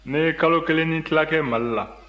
ne ye kalo kelen ni tila kɛ mali la